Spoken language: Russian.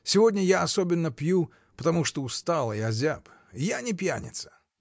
Сегодня я особенно пью, потому что устал и озяб. Я не пьяница.